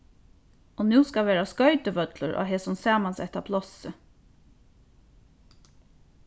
og nú skal vera skoytuvøllur á hesum samansetta plássi